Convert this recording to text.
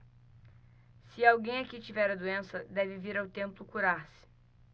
se alguém aqui tiver a doença deve vir ao templo curar-se